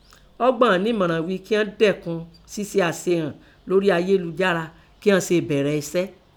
Ọ́ gbà án nẹ́mọ̀ràn ghíi "kín án dẹ́kun síse àsehàn lóríi ayélujára kín an sèè bẹ̀rẹ̀ eṣẹ́!"